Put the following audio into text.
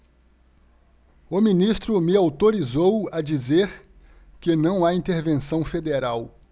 o ministro me autorizou a dizer que não há intervenção federal